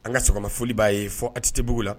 An ka sɔgɔma foli b'a ye fɔ atitebugu la